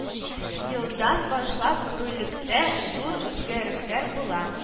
Елдан башлап бүлектә зур үзгәрешләр була